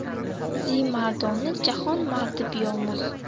zi mardoni jahon mardi biyomuz